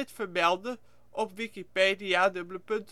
vermelden op Wikipedia:opruimploeg